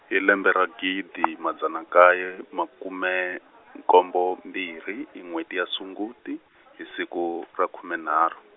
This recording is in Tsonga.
hi lembe ra gidi madzana nkaye makume, nkombo mbirhi, hi n'wheti ya Sunguti, hi siku ra khume naro.